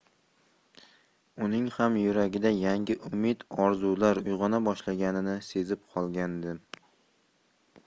uning ham yuragida yangi umid orzular uyg'ona boshlaganini sezib qolgandim